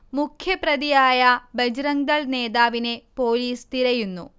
മുഖ്യപ്രതിയായ ബജ്റങ്ദൾ നേതാവിനെ പോലീസ് തിരയുന്നു